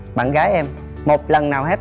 bạn gái em một lần nào hết